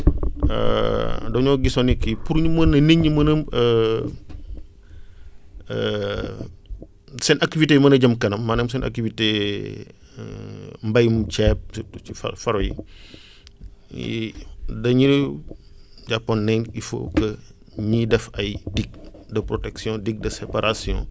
dañoo gisoon ni kii pour ñu mën a nit ñi mën a seen activités yi mën a jëm kanam seen activités mbéyum ceeb surtout ci faro yi yi dañu jàppoon ne il faut que muy def ay digue de protection digue de séparation